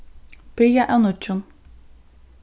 byrja av nýggjum